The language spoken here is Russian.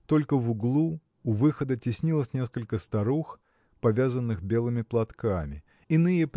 только в углу у выхода теснилось несколько старух повязанных белыми платками. Иные